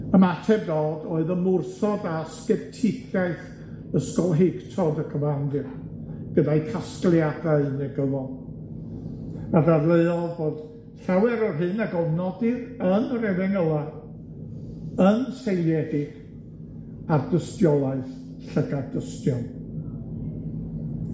Ymateb Dodd oedd ymwrthod â sceptigaeth ysgolheictod y cyfandir, gyda'i casgliadau negyddol, a ddadleuodd bod llawer o'r hyn a gofnodir yn yr Efengyla yn seiliedig ar dystiolaeth llygad dystion.